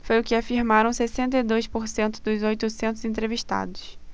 foi o que afirmaram sessenta e dois por cento dos oitocentos entrevistados